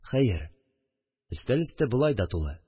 Хәер, өстәл өсте болай да тулы